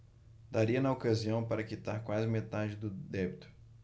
daria na ocasião para quitar quase metade do débito